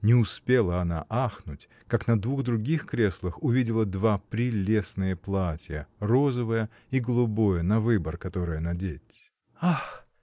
Не успела она ахнуть, как на двух других креслах увидела два прелестные платья — розовое и голубое, на выбор, которое надеть. — Ах!